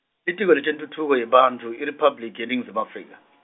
Litiko leTentfutfuko yebantfu IRiphabliki yeNingizimu Afrika.